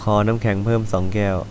ขอน้ำแข็งเพิ่มสองแก้ว